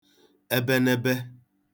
ebenebe